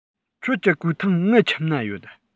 ཁྱོད ཀྱི གོས ཐུང ངའི ཁྱིམ ན ཡོད